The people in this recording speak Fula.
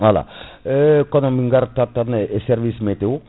voilà eyyi kono min gartan tan e service météo